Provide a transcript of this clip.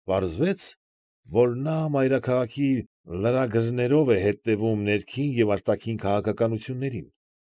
Պարզվեց, որ նա մայրաքաղաքի լրագրներով է հետևում ներքին և արտաքին քաղաքականություններին։